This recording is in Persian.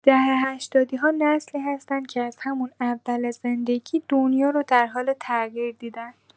دهه‌هشتادی‌ها نسلی هستن که از همون اول زندگی، دنیا رو در حال تغییر دیدن.